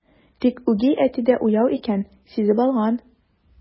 Тик үги әти дә уяу икән, сизеп алган.